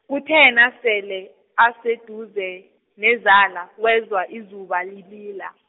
kuthe nasele, aseduze, nezala wezwa izuba lilila.